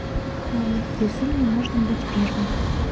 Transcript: homie безумно быть первым